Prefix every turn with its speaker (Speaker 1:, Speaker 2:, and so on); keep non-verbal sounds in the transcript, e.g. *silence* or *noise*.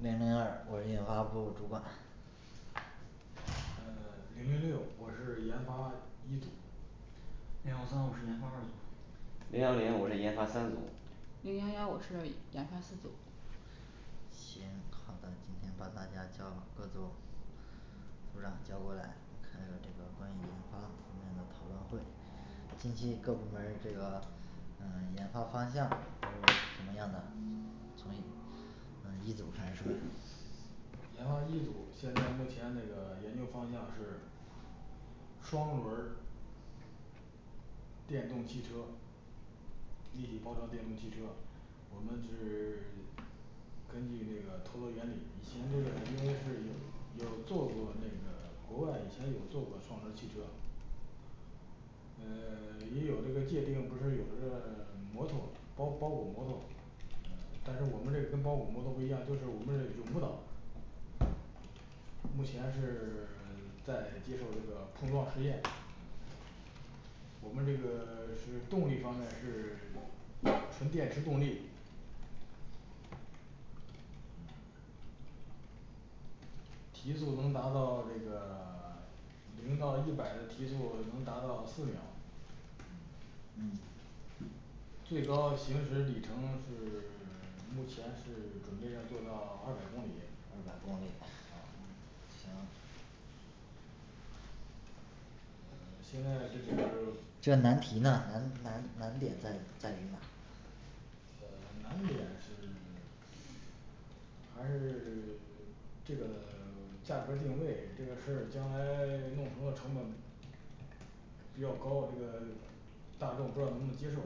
Speaker 1: 零零二我是研发部主管
Speaker 2: 呃 *silence* 零零六我是研发一组
Speaker 3: 零幺三我是研发二组
Speaker 4: 零幺零我是研发三组
Speaker 5: 零幺幺我是研发四组
Speaker 1: 行好的，今天把大家叫各组组长叫过来，开个这个关于研发那个讨论会，近期各部门儿这个嗯研发方向什么样的，从一呃一组开始说一下
Speaker 2: 研发一组，现在目前那个研究方向是双轮儿电动汽车立体包装电动汽车我们制 *silence* 根据这个陀螺原理，以前这个因为是有有做过那个国外以前有做过双轮儿汽车呃 *silence* 也有这个界定，不是有这个摩托，包包裹摩托但是我们这个跟包裹摩托不一样，就是我们这个永不倒目前是 *silence* 在接受这个碰撞实验我们这个 *silence* 是动力方面是 *silence* 纯电池动力
Speaker 1: 嗯
Speaker 2: 提速能达到这个 *silence* 零到一百的提速能达到四秒
Speaker 1: 嗯嗯
Speaker 2: 最高行驶里程是 *silence* 目前是准备要做到二百公里
Speaker 1: 二百公里呃嗯行
Speaker 2: 呃 *silence* 现在这是 *silence*
Speaker 1: 这个难题呢难难难点在于在于哪儿
Speaker 2: 呃 *silence* 难点是 *silence* *crosstalk* 还是 *silence* 这个 *silence* 价格儿定位这个事儿将来弄成了成本比较高这个 *silence* 大众不知道能不能接受